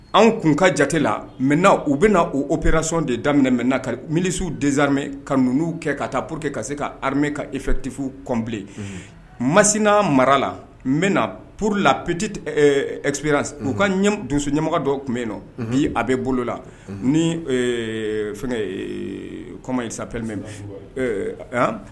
Anw kun ka jate la mɛ u bɛna o ppererasɔnon de daminɛ mɛ milisiw dezrime ka ninnuu kɛ ka taa porour que ka se ka hame ka efɛtifu kɔn bilen masna mara la n bɛna na poorourla pti ep u ka donso ɲɛmɔgɔ dɔ tun bɛ yen na bi a bɛ bolola ni kɔma ye sa fɛn bɛ